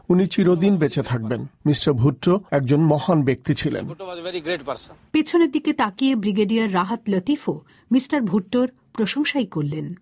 উনি চিরদিন বেঁচে থাকবেন মিটার ভুট্টো একজন মহান ব্যক্তি ছিলেন he was very great person পিছনের দিকে তাকিয়ে ব্রিগেডিয়ার রাহাত লতিফ ও মিস্টার ভুট্টোর প্রশংসাই করলেন